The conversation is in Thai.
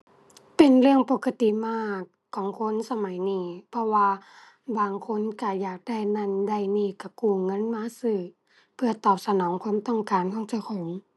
เป็นเรื่องปกติมากของคนสมัยนี้ เพราะว่าบางคนก็อยากได้นั้นได้นี้ก็กู้เงินมาซื้อ เพื่อตอบสนองความต้องการของเจ้าของ